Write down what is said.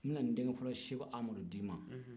n bɛna denkɛ fɔlɔ seko amadu d'i ma